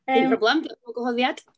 Yym... Dim problem, diolch am y gwahoddiad.